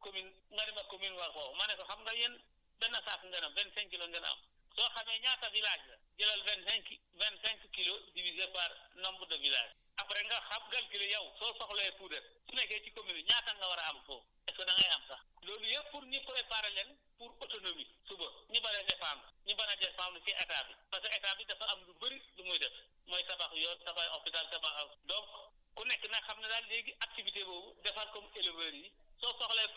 commune nga ne ma commune Warxoox ma ne ko xam nga yéen benn saako ngeen am 25 kilos ngeen am soo xamee ñaata villages la jëlal 25 25 kii yëpp diviser par nombre de villages après nga xam calculer yow soo soxlawee puudar su nekkee si commune yi ñaata nga war a am foofu est ce que da ngay am sax loolu yëpp pour ñu préparer leen pour autonomie suba ñu bañ a dépendre ñu bañ a dépendre si état bi parce que état bi dafa am lu bëri lu muy def mooy tabax yoon tabax hopital tabax